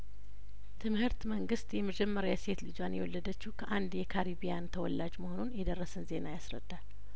ትምህርት መንግስት የመጀመሪያ ሴት ልጇን የወለደችው ከአንድ የካሪቢያን ተወላጅ መሆኑን የደረሰን ዜና ያስረዳል